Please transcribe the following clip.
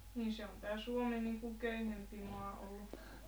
niin se on tämä Suomi niin kuin köyhempi maa ollut